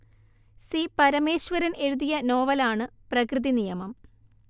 C Parameswaran എഴുതിയ നോവലാണ് പ്രകൃതിനിയമം